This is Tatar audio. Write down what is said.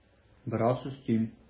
Бераз өстим.